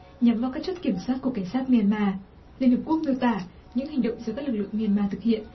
nhằm vào các chốt kiểm soát của cảnh sát my an ma liên hiệp quốc miêu tả những hành động do các lực lượng my an ma thực hiện